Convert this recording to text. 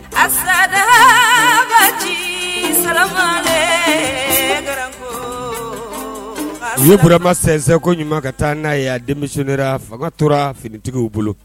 A sirajɛ ba jigin samasa g u ye buranba sɛko ɲuman ka taa n'a yan denmisɛnninra fanga tora finitigiww bolo